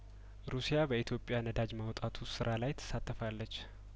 ሩሲያ በኢትዮጵያ ነዳጅ ማውጣቱ ስራ ትሳተፋለች